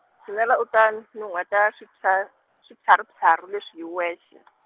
tshinela u ta nuhweta switsha- swiphyaruphyaru leswi hi wexe .